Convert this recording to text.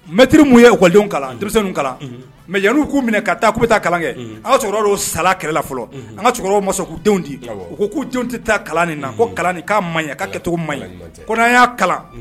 Maitre mun ye école denw kalan denmisɛn ninnu kalan unhun mais yan'u k'u minɛ ka taa k'u be taa kalan kɛ unhun an ka cɛkɔrɔba dɔw sal'a kɛlɛ la fɔlɔ unhun an ŋa cɛkɔrɔbaw ma sɔn k'u denw di awɔ u ko k'u denw te taa kalan nin na ko kalan nin k'a ma ɲa kalan ɲuman tɛ k'a kɛtogo maɲi ko n'an y'a kalan